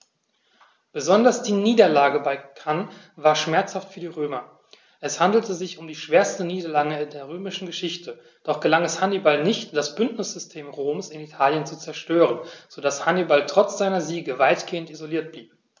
Besonders die Niederlage bei Cannae war schmerzhaft für die Römer: Es handelte sich um die schwerste Niederlage in der römischen Geschichte, doch gelang es Hannibal nicht, das Bündnissystem Roms in Italien zu zerstören, sodass Hannibal trotz seiner Siege weitgehend isoliert blieb.